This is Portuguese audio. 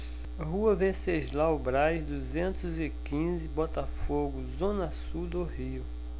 rua venceslau braz duzentos e quinze botafogo zona sul do rio